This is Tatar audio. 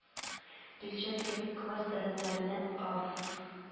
Билчән кебек класс таләпләренә ав